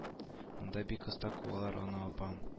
Монда бик оста куалар аны апам